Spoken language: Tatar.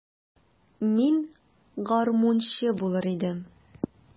Мин гармунчы булыр идем.